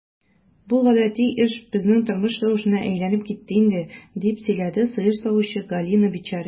Бу гадәти эш, безнең тормыш рәвешенә әйләнеп китте инде, - дип сөйләде сыер савучы Галина Бичарина.